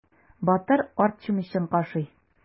Батыр арт чүмечен кашый.